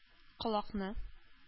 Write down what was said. Колакны